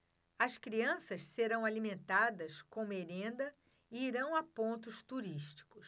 as crianças serão alimentadas com merenda e irão a pontos turísticos